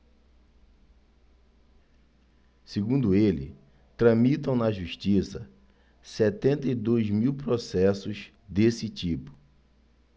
segundo ele tramitam na justiça setenta e dois mil processos desse tipo